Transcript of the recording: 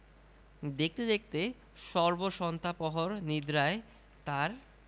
দেখতে দেখতে সর্বসন্তাপহর নিদ্রায় তাঁর